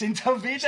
Sy'n tyfu de!